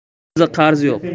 o'rtamizda qarz yo'q